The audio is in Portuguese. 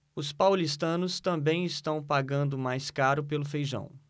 os paulistanos também estão pagando mais caro pelo feijão